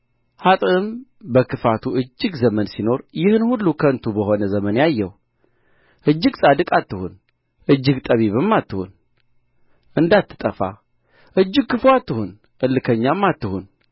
ኀጥእም በክፋቱ እጅግ ዘመን ሲኖር ይህን ሁሉ ከንቱ በሆነ ዘመኔ አየሁ እጅግ ጻድቅ አትሁን እጅግ ጠቢብም አትሁን እንዳትጠፋ እጅግ ክፉ አትሁን እልከኛም አትሁን